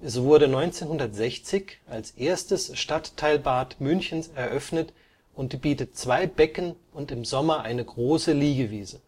Es wurde 1960 als erstes Stadtteilbad Münchens eröffnet und bietet zwei Becken und im Sommer eine große Liegewiese